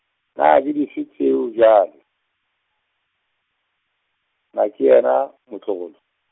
na ke dife tšeo bjale, Nakeyena, motlogolo?